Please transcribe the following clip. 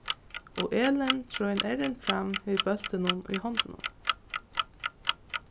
og elin trein errin fram við bóltinum í hondunum